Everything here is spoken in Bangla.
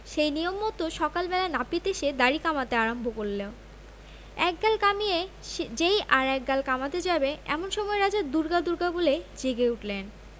সেই নিয়ম মত সকাল বেলা নাপিত এসে দাড়ি কামাতে আরম্ভ করলে এক গাল কামিয়ে যেই আর এক গাল কামাতে যাবে এমন সময় রাজা দুর্গা দুর্গা বলে জেগে উঠলেন